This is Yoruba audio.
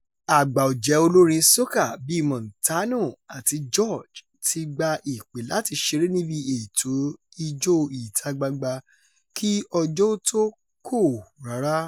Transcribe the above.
Àgbà ọ̀jẹ̀ olórin soca bíi Montano àti George ti gba ìpè láti ṣeré níbi ètò ijó ìta-gbangba kí ọjọ́ ó tó kò rárá.